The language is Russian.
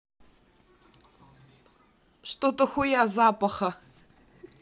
что то хуя запаха